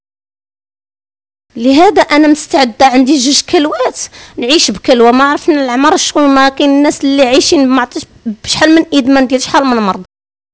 لهذا انا مستعده عندي الواتس نعيش بكل ومعفن العماره شو ماكو الناس اللي عايشين مع حرمه